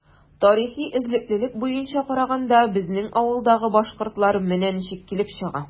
Тарихи эзлеклелек буенча караганда, безнең авылдагы “башкортлар” менә ничек килеп чыга.